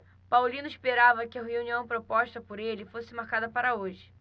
paulino esperava que a reunião proposta por ele fosse marcada para hoje